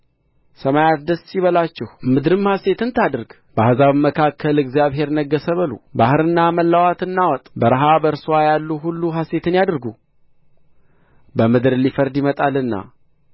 ሰማያት ደስ ይበላቸው ምድርም ሐሴትን ታድርግ በአሕዛብም መካከል እግዚአብሔር ነገሠ በሉ ባሕርና ሞላዋ ትናወጥ በረሀ በእርሷም ያሉ ሁሉ ሐሤትን ያድርጉ በምድር ሊፈርድ ይመጣልና